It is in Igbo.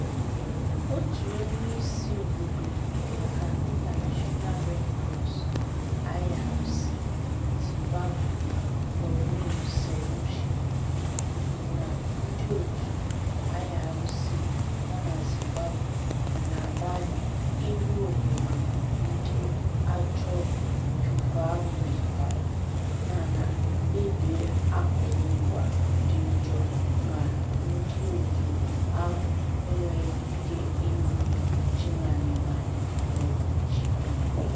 Onyeisi obodo maka International Red Cross (IRC) Zimbabwe Paolo Cernuschi kwuru na ndịòtù IRC nọ na Zimbabwe na-agbalị iru obodo ndị ajọ ifufe ahụ metụtara mana mmebi akụrụngwa dị njọ ma ndịòtù ahụ enweghị ike iru Chimanimani maọbụ Chipinge.